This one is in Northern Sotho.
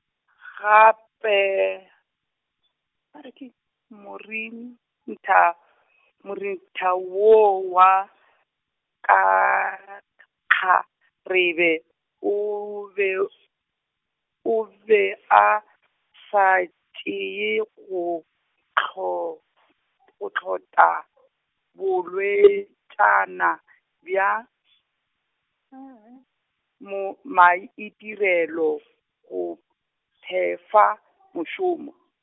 gape, ba re keng, morin- -ntha, morentha wo wa, ka k- kgarebe o be -o, o be a sa tšee go hlo-, o hloka bolwetšana bja, mo maitirelo go phefa mošomo.